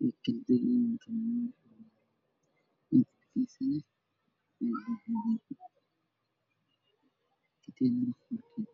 waxyeellaan dhulka dhulka kalkiisa waa qaxoow